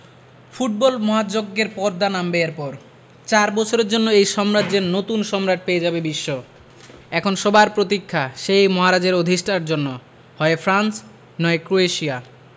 football মহাযজ্ঞের পর্দা নামবে এরপর চার বছরের জন্য এই সাম্রাজ্যের নতুন সম্রাট পেয়ে যাবে বিশ্ব এখন সবার প্রতীক্ষা সেই মহারাজের অধিষ্ঠার জন্য হয় ফ্রান্স নয় ক্রোয়েশিয়া